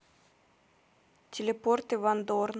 телепорт иван дорн